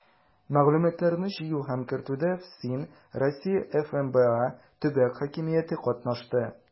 Мәгълүматларны җыю һәм кертүдә ФСИН, Россия ФМБА, төбәк хакимияте катнашты.